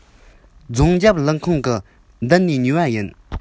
རྫོང རྒྱབ ཀླུ ཁང གི མདུན ནས ཉོས པ ཡིན